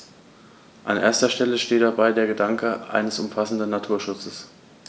An erster Stelle steht dabei der Gedanke eines umfassenden Naturschutzes.